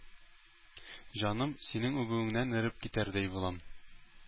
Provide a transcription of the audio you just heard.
Җаным, синең үбүеңнән эреп китәрдәй булам.